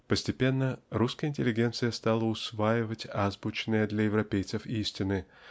Постепенно русская интеллигенция стала усваивать азбучные для европейцев истины